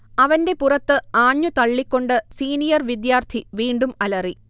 അവന്റെ പുറത്ത്ആഞ്ഞു തള്ളിക്കൊണ്ടു സീനിയർ വിദ്യാർത്ഥി വീണ്ടും അലറി